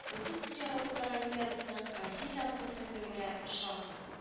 Бөтендөнья роботлар олимпиадасының Россия этабында сәламләүгә шатмын